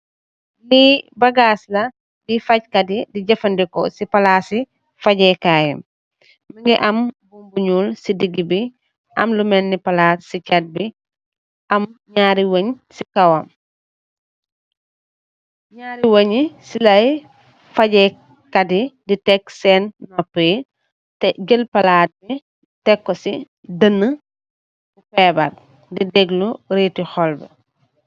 Lii bagaas la bu facc kat yi di jafëndeko si palaasi fajee kaay yi. Mu ngi buum bu ñuul si diggë bi, am lu melni palaat si chat bi, am ñaari wéng si kowam, ñarri wéng yi sila facc kat yi di tek seen noopu yi, jël palaat yi tek ko si dëni ku féébar ki